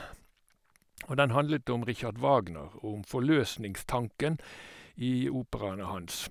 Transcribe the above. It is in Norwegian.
Og den handlet om Richard Wagner og om forløsningstanken i operaene hans.